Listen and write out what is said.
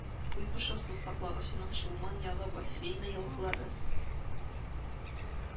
Куйбышев сусаклагычының Чулман ягы бассейны елгалары